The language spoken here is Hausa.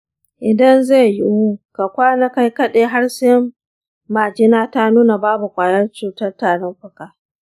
idan zai yiwu, ka kwana kai kaɗai har sai majina ta nuna babu ƙwayar cutar tarin fuka.